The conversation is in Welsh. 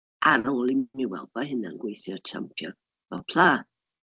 Ar ôl mi weld bo' hynna'n gweithio champion efo Pla.